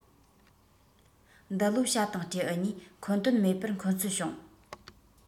འདི ལོ བྱ དང སྤྲེའུ གཉིས འཁོན དོན མེད པར འཁོན རྩོད བྱུང